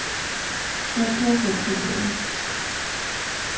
hvat tosar tú um